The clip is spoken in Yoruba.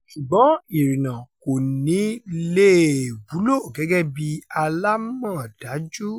Ṣùgbọ́n Irina kò ní le è wúlò gẹ́gẹ́ bí alámọ̀dájú.